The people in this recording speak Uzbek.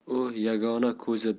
u yagona ko'zi